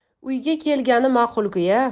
uyga kelgani ma'qulku ya